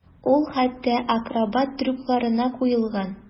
Ул хәтта акробат трюкларына куелган.